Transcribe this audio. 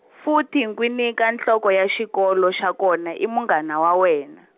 futhi Nkwinika nhloko ya xikolo xa kona i munghana wa wena.